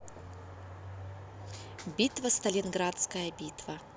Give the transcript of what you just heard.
битва сталинградская битва